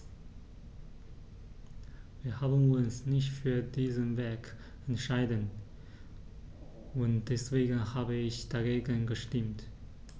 Wir haben uns nicht für diesen Weg entschieden, und deswegen habe ich dagegen gestimmt.